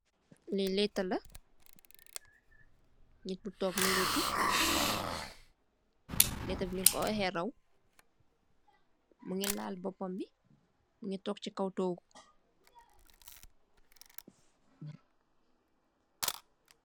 Lii lehtah la, nitt bu tokk mu lehtu, lehtah bii njung kor oryeh raw, mungy lal bopam bii, mungy tok chi kaw tohgu.